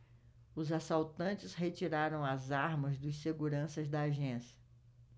os assaltantes retiraram as armas dos seguranças da agência